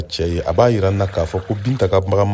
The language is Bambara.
a b'a yɛrɛ na k'a fɔ ko binta bagan mara